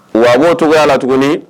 Wa a b'a cogoya la tuguni